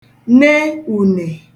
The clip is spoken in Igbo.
ne ùnè